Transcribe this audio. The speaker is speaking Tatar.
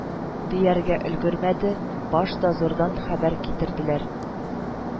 » дияргә өлгермәде, баш дозордан хәбәр китерделәр